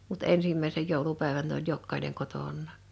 mutta ensimmäisen joulupäivän ne oli jokainen kotonaan